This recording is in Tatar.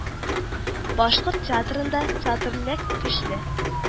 Башкорт театрында театральлек көчле